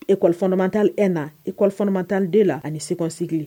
Emata e na emade la ani sesigidi